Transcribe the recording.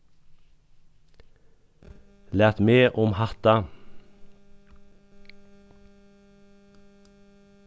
lat meg um hatta